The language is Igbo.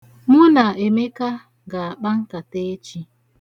Mụ na Emeka ga-akpa nkata echi.